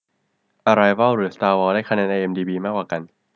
อะไรวอลหรือสตาร์วอร์ได้คะแนนไอเอ็มดีบีมากกว่ากัน